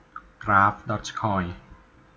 กราฟดอร์จคอย